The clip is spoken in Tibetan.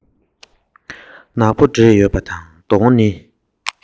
ནག པོ འདྲེས ཡོད པ དང གདོང ནི